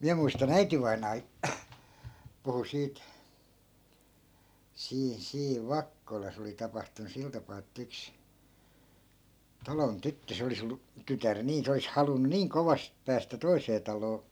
minä muistan äitivainaa puhui siitä siinä siinä Vakkolassa oli tapahtunut sillä tapaa että yksi talon tyttö se olisi ollut tytär niin se olisi halunnut niin kovasti päästä toiseen taloon